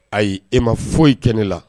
Ayi e ma foyi kɛ ne la